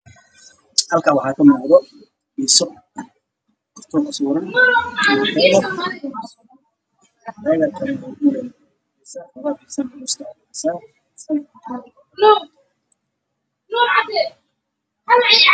Halkaan waxaa ka muuqdo biiso kartoon ku sawiran